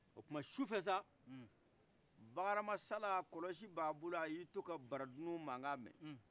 o tuma sufɛ sa bakari hama sala kɔlɔsi b' a bolo ayi to ka bara dunu manka mɛn